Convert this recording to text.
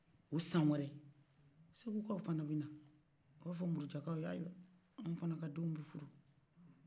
o san wɛrɛ segu kaw fɔnɔ bɛ na o b'a fɔ murujankanw ayiwa anw fɔnɔ ka denw bɛna furu